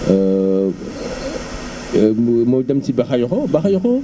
ma dem ci Bakhayokho Bakhayokho